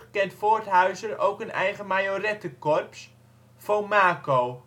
kent Voorthuizen ook een eigen majorettekorps, VoMaKo